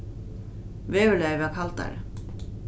veðurlagið var kaldari